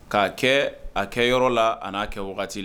K'a kɛ a kɛ yɔrɔ la a n'a kɛ wagati la